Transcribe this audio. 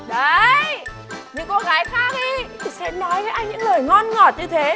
đấy những cô gái khác ý sẽ nói với anh những điều ngon ngọt như thế